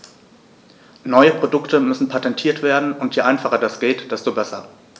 Neue Produkte müssen patentiert werden, und je einfacher das geht, desto besser.